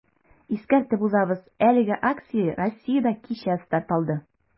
Искәртеп узабыз, әлеге акция Россиядә кичә старт алды.